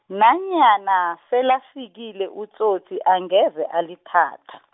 nanyana, selafikile utsotsi angeze alithatha.